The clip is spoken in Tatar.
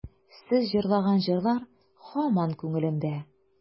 Сез җырлаган җырлар һаман күңелемдә.